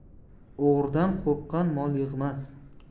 o'g'ridan qo'rqqan mol yig'mas